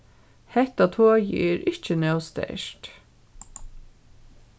hetta togið er ikki nóg sterkt